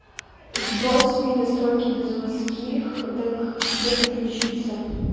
сбрось свои настройки до заводских дак к тебе подключиться